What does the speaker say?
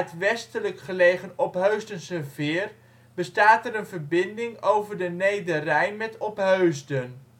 westelijk gelegen Opheusdense Veer bestaat er een verbinding over de Nederrijn met Opheusden